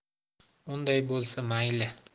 unday bo'lsa mayli